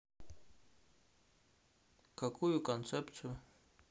какую концепцию